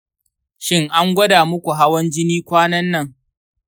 shin an gwada muku hawan jini kwanan nan?